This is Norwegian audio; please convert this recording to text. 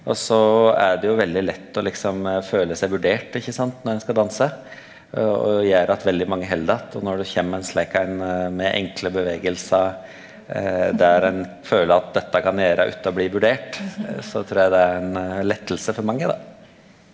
og så er det jo veldig lett å liksom føle seg vurdert, ikkje sant, når ein skal danse og og gjer at veldig mange held att, og når det kjem ein slik ein med enkle bevegelsar der ein føler at dette kan eg gjera utan å bli vurdert så trur eg det er ein letting for mange da.